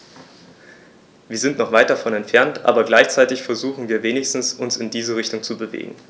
Wir sind noch weit davon entfernt, aber gleichzeitig versuchen wir wenigstens, uns in diese Richtung zu bewegen.